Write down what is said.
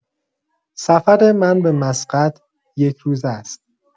سفر من به مسقط یک‌روزه است.